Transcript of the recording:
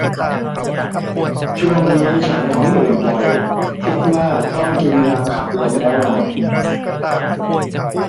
ช่วงนี้ฉันท้องอืดบ่อยคิดว่าต้องกินยาขับลมแล้วล่ะ